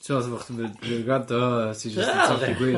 bo' chdi'n mynd myn' i grando a ti jyst yn tasgu gwin.